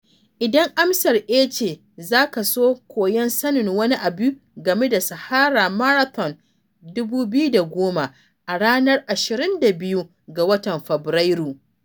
Idan amsar 'eh' ce, zaka ka so koyon sanin wani abu game da Sahara Marathon 2010 a ranar 22 ga watan Fabrairu.